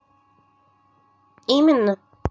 именно